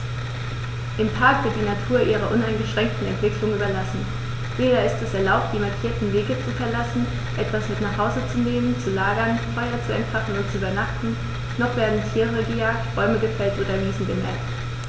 Im Park wird die Natur ihrer uneingeschränkten Entwicklung überlassen; weder ist es erlaubt, die markierten Wege zu verlassen, etwas mit nach Hause zu nehmen, zu lagern, Feuer zu entfachen und zu übernachten, noch werden Tiere gejagt, Bäume gefällt oder Wiesen gemäht.